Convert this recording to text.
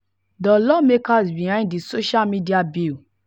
The lawmakers behind the social media bill